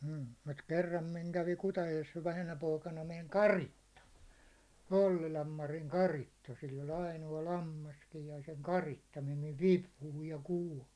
mm mutta kerran minä kävin Kutajoessa vähänä poikana meni karitsa Ollilan Marin karitsa sillä oli ainoa lammaskin ja sen karitsa meni minun vipuun ja kuoli